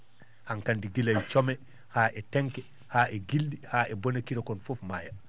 hankandi gila e come haa e tenke haa e gilɗi haa e bona kirakoñ fof maaya